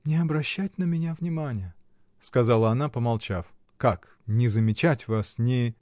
— Не обращать на меня внимания, — сказала она, помолчав. — Как, не замечать вас, не.